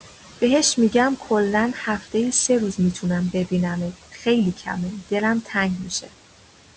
بهش می‌گم کلا هفته‌ای سه روز می‌تونم ببینمت خیلی کمه دلم تنگ می‌شه